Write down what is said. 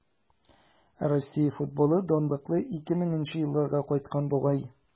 Россия футболы данлыклы 2000 нче елларга кайткан бугай.